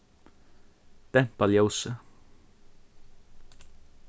dempa ljósið